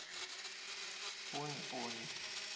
пони пони